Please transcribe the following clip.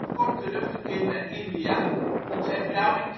kort teruggekeerd naar India om zijn vrouw